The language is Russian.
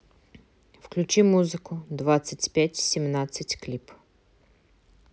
включи музыку двадцать пять семнадцать клип